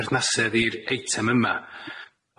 pherthnasedd i'r eitem yma,